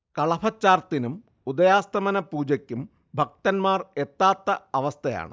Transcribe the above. കളഭച്ചാർത്തിനും ഉദയാസ്തമന പൂജക്കും ഭക്തന്മാർ എത്താത്ത അവസ്ഥയാണ്